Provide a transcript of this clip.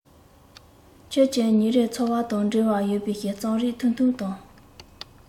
ཁྱོད ཀྱི ཉིན རེའི ཚོར བ དང འབྲེལ བ ཡོད པའི རྩོམ རིག ཐུང ཐུང དང